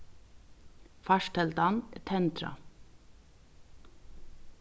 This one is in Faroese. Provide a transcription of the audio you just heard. farteldan er tendrað